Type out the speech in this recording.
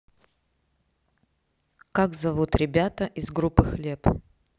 как зовут ребята из группы хлеб